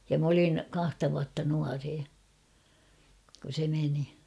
ja minä olin kahta vuotta nuorempi kun se meni